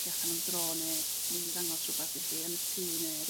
chi allan am dro ne' mynd i ddangos rh'wbath i chi yn y tŷ ne'